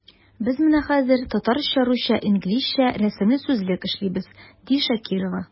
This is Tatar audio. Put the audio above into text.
Без менә хәзер “Татарча-русча-инглизчә рәсемле сүзлек” эшлибез, ди Шакирова.